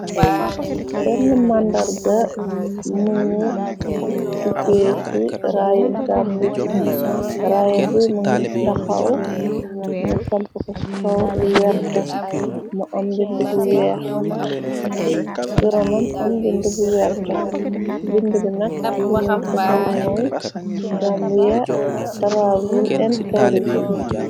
Denn màndar ga muñu tubbee ci ry gàmbi raaye buy mu ngir taxaw nu samp ko sukaw lu weerta mu am bind bu weex si ronam am bind bu werta bind bi nakk limuy kosal mooy gàmbiya taravul in tourism.